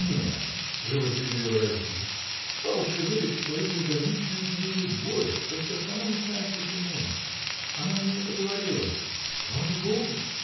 — Нет, — живо перебил Райский, — бабушка верит в твою безграничную к ней любовь, только сама не знает почему. Она мне это говорила. — Слава Богу!